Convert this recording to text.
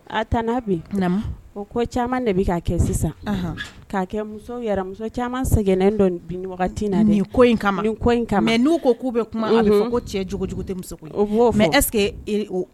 A n' bi o caman de bɛ kɛ k' muso caman sɛgɛnnen na ni in n'u ko k'u bɛ kuma ko cɛ j tɛ'o ɛsseke